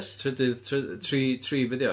Trydydd tryd- tri tri, be 'di o?